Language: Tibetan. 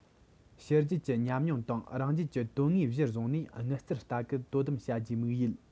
ཕྱི རྒྱལ གྱི ཉམས མྱོང དང རང རྒྱལ གྱི དོན དངོས གཞིར བཟུང ནས དངུལ རྩར ལྟ སྐུལ དོ དམ བྱ རྒྱུའི དམིགས ཡུལ